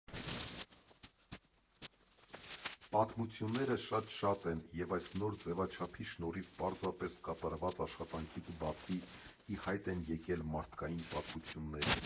Պատմությունները շատ֊շատ են, և այս նոր ձևաչափի շնորհիվ պարզապես կատարված աշխատանքից բացի ի հայտ են եկել մարդկային պատմություններ։